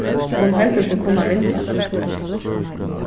hon heldur seg kunna vinna